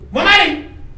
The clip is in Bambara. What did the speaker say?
Bakarijanri